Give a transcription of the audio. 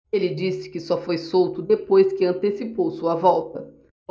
ele disse que só foi solto depois que antecipou sua volta